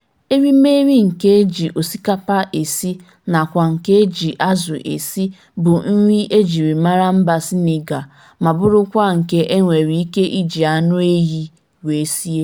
Erimeri nke e ji osikapa esi (ceeb) nakwa nke e ji azụ esi (jenn) bụ nri e jiri mara mba Sịnịgal ma bụrụkwa nke e nwere ike iji anụehi wee sie (ceebu yapp).